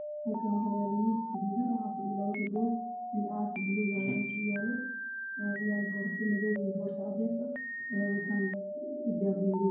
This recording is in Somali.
Halan waxyalo miis gaduda wax fadhi labo gabdho biro caafi io boorso aya mesha uyalo wana madow io cades waxey watan xijabo madow ah